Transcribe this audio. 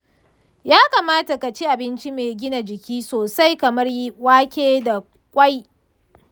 ya kamata ka ci abinci mai gina jiki sosai kamar wake da ƙwai.